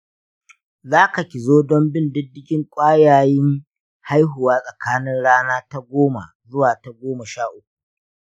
za ka/ki zo don bin diddigin ƙwayayen haihuwa tsakanin rana ta goma zuwa ta goma sha uku.